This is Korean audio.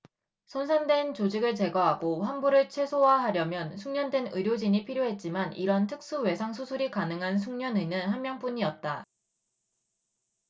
손상된 조직을 제거하고 환부를 최소화하려면 숙련된 의료진이 필요했지만 이런 특수외상 수술이 가능한 숙련의는 한 명뿐이었다